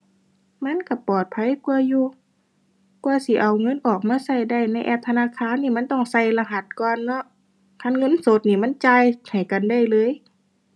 มันก็ปลอดภัยกว่าอยู่ กว่าสิเอาเงินออกมาก็ได้ในแอปธนาคารนี้ มันต้องใส่รหัสก่อนเนาะ คันเงินสดนี่ มันจ่ายให้กันได้เลย